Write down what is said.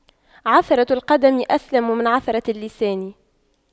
عثرة القدم أسلم من عثرة اللسان